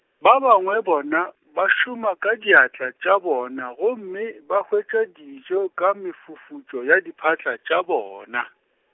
ba bangwe bona, ba šoma ka diatla tša bona gomme ba hwetša dijo ka mefufutšo ya diphatla tša bona.